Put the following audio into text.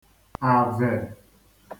àvè